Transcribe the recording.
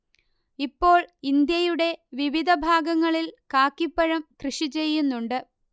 ഇപ്പോൾ ഇന്ത്യയുടെ വിവിധ ഭാഗങളിൽ കാക്കിപ്പഴം കൃഷി ചെയ്യുന്നുണ്ട്